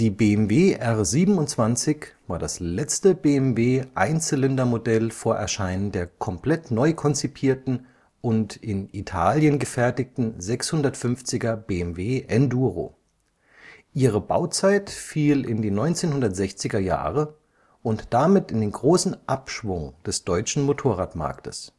BMW R 27 war das letzte BMW-Einzylindermodell vor Erscheinen der komplett neu konzipierten und in Italien gefertigten 650er BMW-Enduro. Ihre Bauzeit fiel in die 1960er-Jahre und damit in den großen Abschwung des deutschen Motorradmarktes